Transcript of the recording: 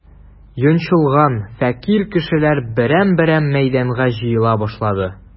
Йончылган, фәкыйрь кешеләр берәм-берәм мәйданга җыела башлады.